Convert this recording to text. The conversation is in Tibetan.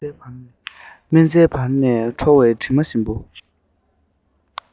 སྨན རྩྭའི བར ནས འཕྱོ བའི དྲི མ ཞིམ པོ